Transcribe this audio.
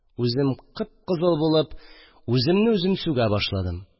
Үзем кып-кызыл булып, үземне үзем сүгә башладым